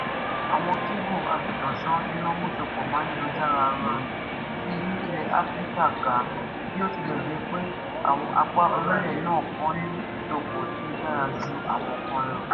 Àwọn kébù afìtànsán-iná-músopọ̀máyélujára-rọrùn ti yí ilẹ̀ Áfíríkà ká báyìí, bí ó tilẹ̀ jẹ́ pé àwọn apá orílẹ̀ náà kan ní ìsopọ̀ tí ó dára ju àwọn kan lọ.